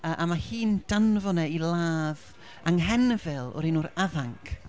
Yy, a mae hi'n danfon e i ladd anghenfil o'r enw'r Afanc.